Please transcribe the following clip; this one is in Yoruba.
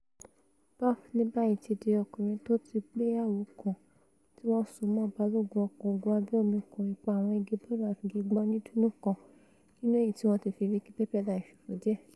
Bough ní báyìí ti dí ọkùnrin tóti gbéyàwó kan, tíwọn sọ mọ́ balógun ọko ogun abẹ́-omi kan, ipa àwọn igi bọ́ọ̀lú-àfigigbá onídùnnú kan nínú èyití wọn ti fi Vicki Pepperdine ṣòfo díẹ̀.